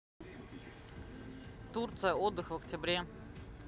турция отдых в октябре